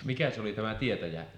mikä se oli tämä tietäjä